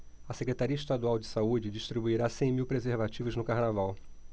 a secretaria estadual de saúde distribuirá cem mil preservativos no carnaval